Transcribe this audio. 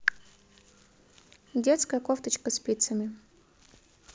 детская кофточка спицами